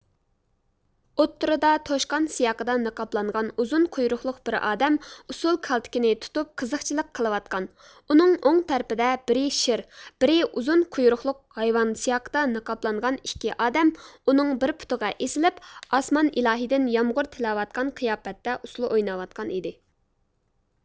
ئوتتۇرىدا توشقان سىياقىدا نىقابلانغان ئۇزۇن قۇيرۇقلۇق بىر ئادەم ئۇسسۇل كالتىكىنى تۇتۇپ قىزقچىلىق قىلىۋاتقان ئۇنىڭ ئوڭ تەرىپىدە بىرى شىر بىرى ئۇزۇن قۇيرۇقلۇق ھايۋان سىياقىدا نىقابلانغان ئىككى ئادەم ئۇنىڭ بىر پۇتىغا ئېسىلىپ ئاسمان ئىلاھىدىن يامغۇر تىلەۋاتقان قىياپەتتە ئۇسسۇل ئويناۋاتقان ئىدى